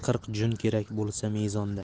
qirq jun kerak bo'lsa mezonda